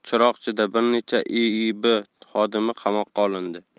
chiroqchida bir necha iib xodimi qamoqqa olindi